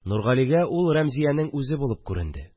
Нургалигә ул Рәмзиянең үзе булып күренде